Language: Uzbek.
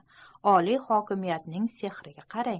oliy hokimiyatning sehriga qarang